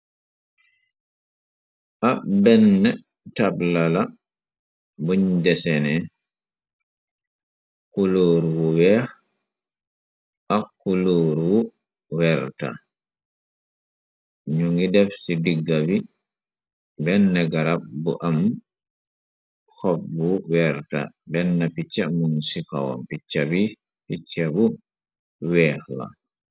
ab benn tablala buñ desene kuloor wu weex ak kuloor wu werta ñu ngi def ci digga bi benn garab bu am xob wu werta benn picca mum sikoompiccabi piccabu weex wa